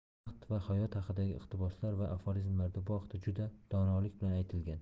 vaqt va hayot haqidagi iqtiboslar va aforizmlarda bu haqda juda donolik bilan aytilgan